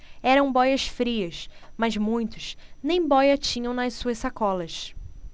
eram bóias-frias mas muitos nem bóia tinham nas suas sacolas